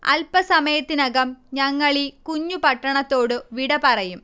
അൽപസമയത്തിനകം ഞങ്ങളീ കുഞ്ഞു പട്ടണത്തോടു വിട പറയും